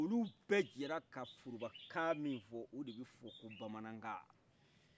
olu bɛ jɛra ka forobakan min fɔ o de bi f'ɔ ko bamanankan